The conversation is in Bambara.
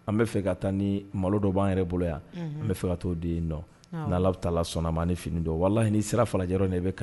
An bɛ fɛ ka taa ni malo dɔ b'an yɛrɛ bolo yan, unhun, an bɛ fɛ ka taa o di yen nɔ, ni Alahu taala sɔnn'a ma ani fini dɔn, walahi n'i sira Falajɛ yɔrɔ i na